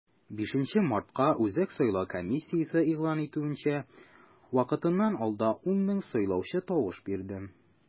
5 мартка, үзәк сайлау комиссиясе игълан итүенчә, вакытыннан алда 10 мең сайлаучы тавыш бирде.